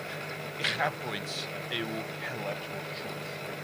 uchafbwynt yw hela'r twrch trwyth